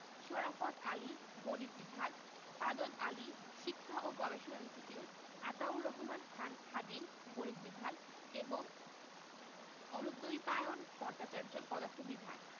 শরাফৎ আলী গণিত বিভাগ সাদত আলী শিক্ষা ও গবেষণা ইনস্টিটিউট আতাউর রহমান খান খাদিম গণিত বিভাগ এবং অনুদ্বৈপায়ন ভট্টাচার্য পদার্থ বিভাগ